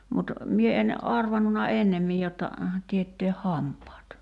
mutta minä en arvannut ennemmin jotta teettää hampaat